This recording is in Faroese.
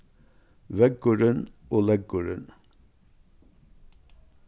veggurin og leggurin